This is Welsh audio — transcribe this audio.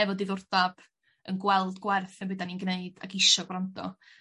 efo diddordab yn gweld gwerth yn be' 'dan ni'n gneud ag isio grando.